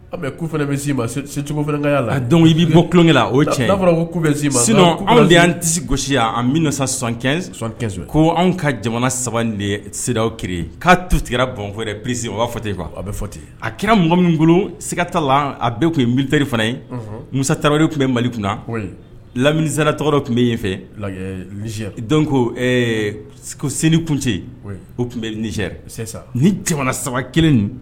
Ku bɛ la dɔn i b' bɔ ku kelenla o cɛn'a fɔra ko ku bɛsin ma sin anw an ti se gosisi an bɛna ko anw ka jamana saba sew ki k'a tigɛra bɔnfɛɛrɛ psi u b'a fɔ ten yen a bɛ fɔ ten a kɛra mɔgɔ minnu bolo sigata la a bɛ tun yen biteri fana ye musatari tun bɛ mali kunna na laminira tɔgɔdɔ tun bɛ yen fɛ z ko ko selikunse o tun bɛ z ni jamana saba kelen